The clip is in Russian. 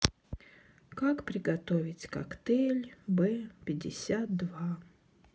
как приготовить коктейль б пятьдесят два